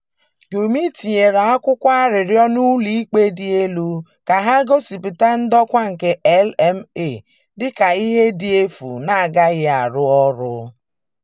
Gyumi tinyere akwụkwọ arịrịọ n'Ụlọikpe Dị Elu ka ha gosipụta ndokwa nke LMA dị ka ihe dị efu na-agaghị arụ ọrụ.